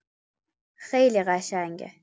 خیلی قشنگه!